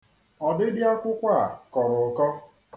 Ọdịdị akwụkwọ a kọrọ ụkọ.